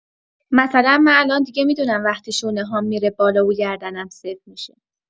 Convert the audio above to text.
مثلا من الان دیگه می‌دونم وقتی شونه‌هام می‌ره بالا و گردنم سفت می‌شه